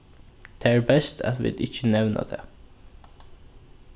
tað er best at vit ikki nevna tað